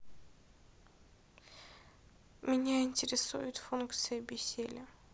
меня интересует функция беселя